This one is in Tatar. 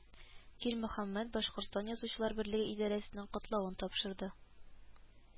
Килмөхәммәтов Башкортстан Язучылар берлеге идарәсенең котлавын тапшырды